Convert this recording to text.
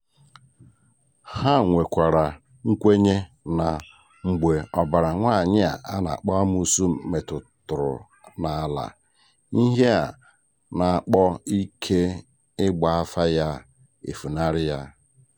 Ha nwekwara nkwenye na mgbe ọbara nwaanyị a na-akpọ amoosu metụrụ n'ala, ihe a na-akpọ ike ịgba afa ya, efunarị ya.